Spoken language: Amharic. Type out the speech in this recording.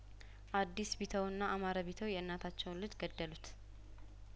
አዲስ ቢተውና አማረ ቢተው የእናታቸውን ልጅ ገደሉት